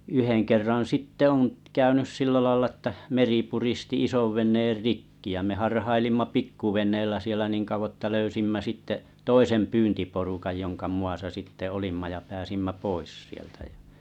yhden kerran sitten on käynyt sillä lailla että meri puristi isonveneen rikki ja me harhailimme pikkuveneellä siellä niin kauan että löysimme sitten toisen pyyntiporukan jonka muassa sitten olimme ja pääsimme pois sieltä ja